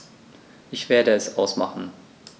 Ich werde es ausmachen